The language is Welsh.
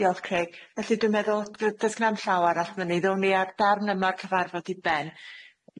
Diolch Craig. Felly dwi'n meddwl dy- does gynna'm llaw arall mynydd o ni a'r darn yma cyfarfod i ben.